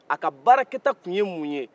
a ka baarakɛ ta tun ye mun ye